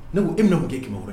Ne ko e be na mun kɛ kɛmɛ wɛrɛ